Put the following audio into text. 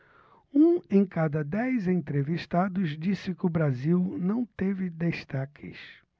um em cada dez entrevistados disse que o brasil não teve destaques